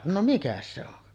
no mikäs se on